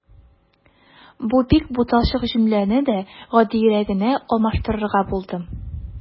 Бу бик буталчык җөмләне дә гадиерәгенә алмаштырырга булдым.